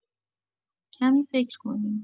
کمی فکر کنین